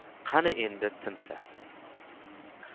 qani endi tinsa